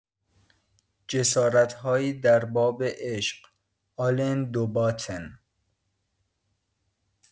جستارهایی در باب عشق، آلن دوباتن